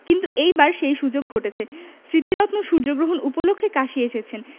কিন্তু এইবার সেই সুযোগ ঘটেছে স্মৃতিরত্ন সূর্যগ্রহণ উপলক্ষে কাশী এসেছেন